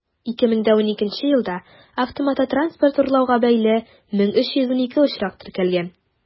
2012 елда автомототранспорт урлауга бәйле 1312 очрак теркәлгән.